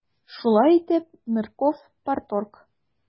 Шулай итеп, Нырков - парторг.